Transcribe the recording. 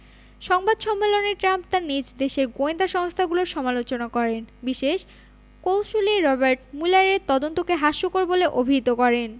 সংবাদ সম্মেলনে ট্রাম্প তাঁর নিজ দেশের গোয়েন্দা সংস্থাগুলোর সমালোচনা করেন বিশেষ কৌঁসুলি রবার্ট ম্যুলারের তদন্তকে হাস্যকর বলে অভিহিত করেন